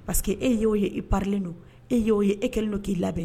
Parce que e y'o ye, i parilen don, e y'o ye, e kɛlen don k'i labɛn